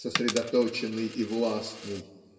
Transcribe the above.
сосредоточенный и властный!